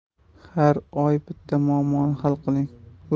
har oy bitta muammoni hal qiling